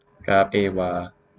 กราฟเอวา